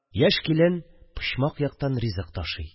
Яшь килен почмак яктан ризык ташый